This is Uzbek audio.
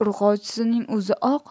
urg'ochisining o'zi oq